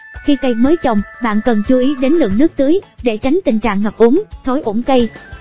khi cây mới trồng bạn cần chú ý đến lượng nước tưới để tránh tình trạng ngập úng thối ủng cây